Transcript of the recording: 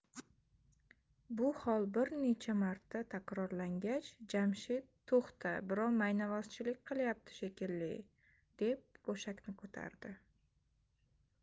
bu hol bir necha marta takrorlangach jamshid to'xta birov maynavozchilik qilyapti shekilli deb go'shakni ko'tardi